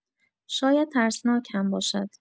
شاید ترسناک هم باشد.